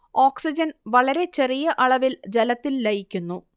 oxygen വളരെ ചെറിയ അളവിൽ ജലത്തിൽ ലയിക്കുന്നു